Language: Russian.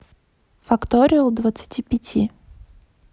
факториал двадцати пяти